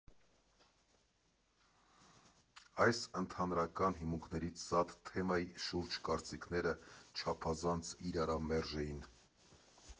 Այս ընդհանրական հիմունքներից զատ, թեմայի շուրջ կարծիքները չափազանց իրարամերժ են։